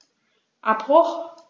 Abbruch.